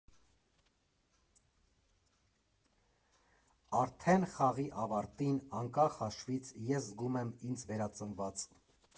Արդեն խաղի ավարտին, անկախ հաշվից, ես զգում եմ ինձ վերածնված։